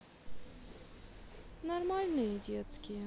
нормальные детские